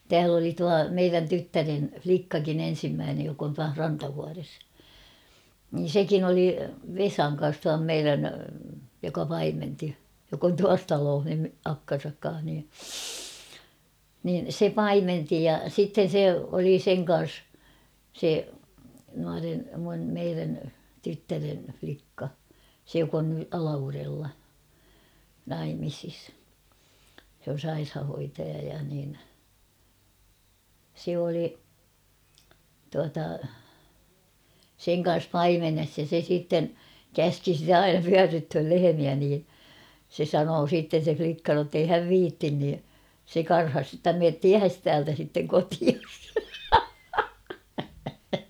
täällä oli tuo meidän tyttären likkakin ensimmäinen joka on tuossa Rantavuoressa niin sekin oli Vesan kanssa tuon meidän joka paimensi joka on tuossa talossa nyt akkansa kanssa niin niin se paimensi ja sitten se oli sen kanssa se nuoren minun meidän tyttären likka se joka on nyt Alavudella naimisissa se on sairaanhoitaja ja niin se oli tuota sen kanssa paimenessa ja se sitten käski sitä aina pyörryttämään lehmiä niin se sanoi siitä se likka jotta ei hän viitsi niin se karhasi jotta mene tiehesi täältä sitten kotiisi